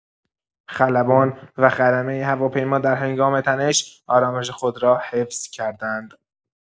خلبان و خدمه هواپیما در هنگام تنش، آرامش خود را حفظ کردند.